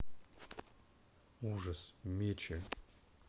ужас мечаю